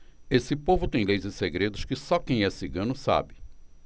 esse povo tem leis e segredos que só quem é cigano sabe